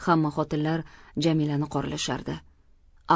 hamma xotinlar jamilani qoralashardi